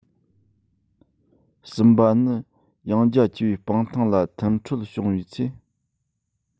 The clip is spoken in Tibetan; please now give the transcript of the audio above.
གསུམ པ ནི ཡངས རྒྱ ཆེ བའི སྤང ཐང ལ མཐུན འཕྲོད བྱུང བའི ཚེ